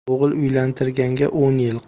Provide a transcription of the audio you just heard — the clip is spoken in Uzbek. o'g'il uylantirganga o'n yil